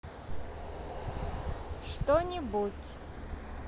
что нибудь